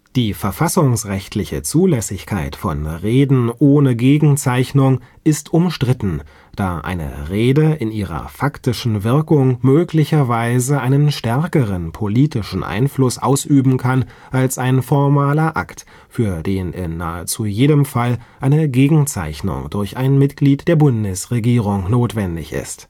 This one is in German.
Die verfassungsrechtliche Zulässigkeit von „ Reden ohne Gegenzeichnung “ist umstritten, da eine Rede in ihrer faktischen Wirkung möglicherweise einen stärkeren politischen Einfluss ausüben kann als ein formaler Akt, für den in nahezu jedem Fall eine Gegenzeichnung durch ein Mitglied der Bundesregierung notwendig ist